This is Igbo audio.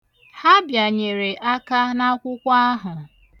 Ha bịanyere aka n'akwụkwọ ahụ.